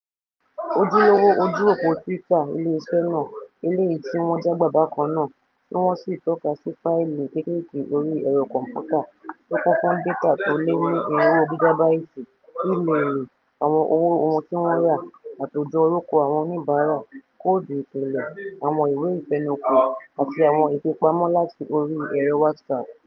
Ojúlówo ojú òpó Twitter iléeṣẹ́ náà, eléyìí tí wọ́n jágbà bákan náà, tí wọ́n sí itọ́ka sí fáìlì kékèèké orí ẹ̀rọ kọ̀m̀pútà tó kún fún dátà tó lé ní 400 gígábáìtì: Íméelì, àwọn owó ohun tí wọ́n rà, àtòjọ orúkọ àwọn oníbàárà, koòdù ìpìlẹ̀, àwọn ìwé ìfẹnukò àti àwọn ifipamọ́ láti orí ẹ̀rọ WhatsApp